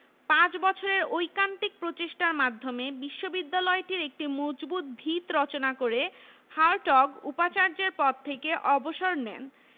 affiliation ও তত্ত্বাবধানের ভার এ বিশ্ববিদ্যালয়ের ওপর ন্যস্ত হয় পূর্ব পাকিস্তান সরকার অফিস ও অন্যান্য দাপ্তরিক কাজে বিশ্ববিদ্যালয়ের কয়েকটি বাড়ি দখল করে নেয়